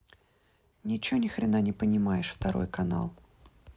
ниче нихрена не понимаешь второй канал